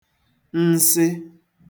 nsị